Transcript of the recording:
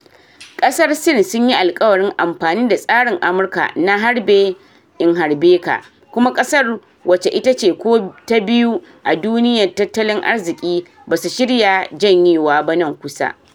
Kasar Sin sunyi alkawarin amfani da tsarin Amurka na harbe ni-in harbe ka, kuma kasar wace itace to biyu a duniyan tatalin arziki ba su shirya jenyewa ba nan kusa.